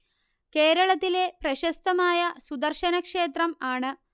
കേരളത്തിലെ പ്രശസ്തമായ സുദർശന ക്ഷേത്രം ആണ്